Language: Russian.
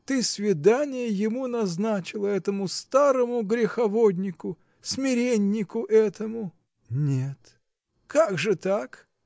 ты свидание ему назначила, этому старому греховоднику, смиреннику этому? -- Нет. -- Как же так?